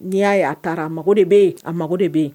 N'i y'a ye a taara mago de bɛ yen a mago de bɛ yen